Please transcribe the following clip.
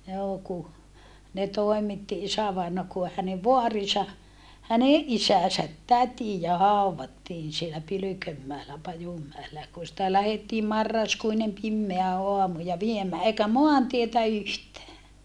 joo kun ne toimitti isävainaja kun hänen vaarinsa hänen isänsä tätiä haudattiin siellä Pylkönmäellä Pajunmäellä ja kun sitä lähdettiin marraskuinen pimeä aamu ja viemään eikä maantietä yhtään